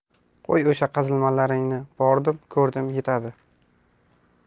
qo'y o'sha qazilmalaringni bordim ko'rdim yetadi